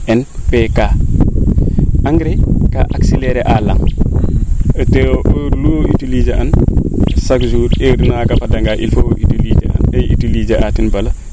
NPK engrais kaa accelerer a laŋ to lu o utiliser an chaque jour heure naaga fada nga il faut o utiliser an